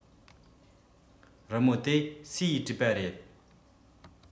རི མོ དེ སུས བྲིས པ རེད